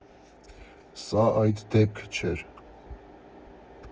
Սա այդ դեպքը չէր։